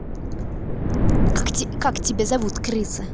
как тебя зовут крыса